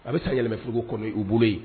A bɛ san yɛlɛma frigo kɔnɔ, o bolo yen.